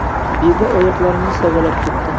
beda oyoqlarimni savalab ketti